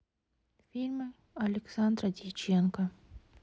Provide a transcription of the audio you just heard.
фильмы александра дьяченко